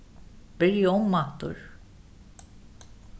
byrja umaftur